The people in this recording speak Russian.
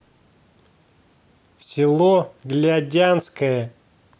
село глядянское